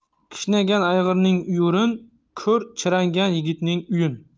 kishnagan ayg'irning uyurin ko'r chirangan yigitning uyin